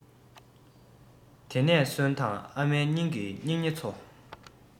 དེ ནས གསོན དང ཨ མའི སྙིང ཉེ ཚོ